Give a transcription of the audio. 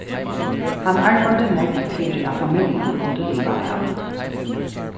hann arbeiddi nógv fyri at familjan kundi liva væl